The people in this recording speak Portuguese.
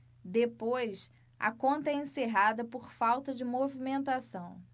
depois a conta é encerrada por falta de movimentação